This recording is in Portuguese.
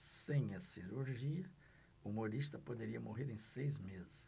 sem a cirurgia humorista poderia morrer em seis meses